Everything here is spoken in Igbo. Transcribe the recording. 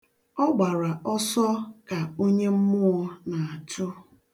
Ọ gbara ọsọ ka onye mmụọ na-achụ.